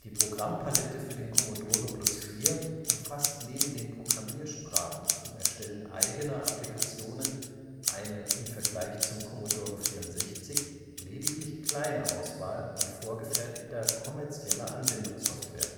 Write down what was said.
Programmpalette für den Commodore Plus/4 umfasst neben den Programmiersprachen zum Erstellen eigener Applikationen eine im Vergleich zum Commodore 64 lediglich kleine Auswahl an vorgefertigter kommerzieller Anwendungssoftware